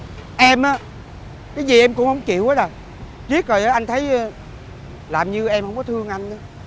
em á cái gì em cũng không chịu hết à riết rồi anh thấy làm như em không có thương anh á